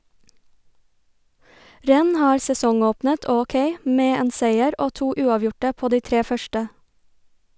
Rennes har sesongåpnet ok , med en seier og to uavgjorte på de tre første.